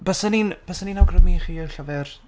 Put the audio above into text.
Bysen i'n bysen i'n awgrymu i chi'r llyfr?